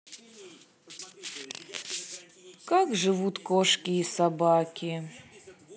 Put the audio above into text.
как живут кошки и собаки